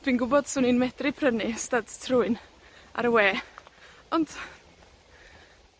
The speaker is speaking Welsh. dwi'n gwbod 'swn i'n medru prynu styds trwyn ar y we, ond,